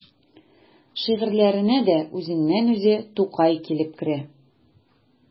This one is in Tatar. Шигырьләренә дә үзеннән-үзе Тукай килеп керә.